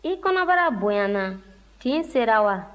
i kɔnɔbara bonyana tin sera wa